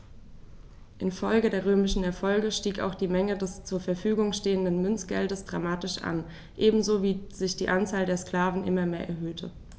Infolge der römischen Erfolge stieg auch die Menge des zur Verfügung stehenden Münzgeldes dramatisch an, ebenso wie sich die Anzahl der Sklaven immer mehr erhöhte.